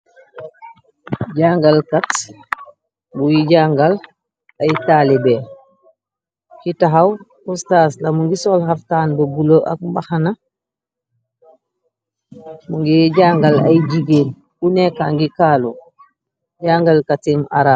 Jangalkat bu jangal ay taalibe, ki tahaw Oustas la mu ngi sol xaftaan bu bulo, ak mbaxana mu ngi jàngal ay jigeen bu nekka ngi kaalu, jangalkatim arab.